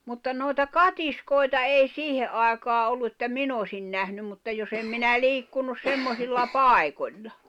mutta noita katiskoita ei siihen aikaan ollut että minä olisin nähnyt mutta jos en minä liikkunut semmoisilla paikoilla